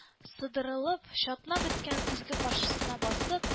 Сыдырылып, чатнап беткән көзге каршына басып